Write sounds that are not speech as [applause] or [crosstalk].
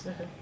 [hesitation] [hesitation]